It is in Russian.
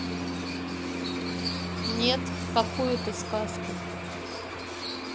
нет какую ты сказку